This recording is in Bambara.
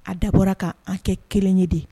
A dabɔ' an kɛ kelen ye de